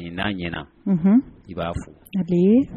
N'a ɲɛna i b'a fo